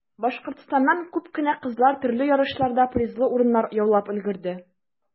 Башкортстаннан күп кенә кызлар төрле ярышларда призлы урыннар яулап өлгерде.